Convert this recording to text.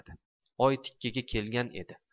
oy tikkaga kelgan edi